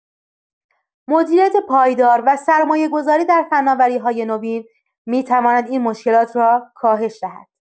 مدیریت پایدار و سرمایه‌گذاری در فناوری‌های نوین می‌تواند این مشکلات را کاهش دهد.